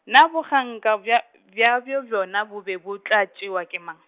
na bongaka bja, bjabo bjona bo be bo tla tšewa ke mang?